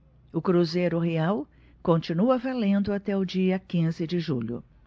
o cruzeiro real continua valendo até o dia quinze de julho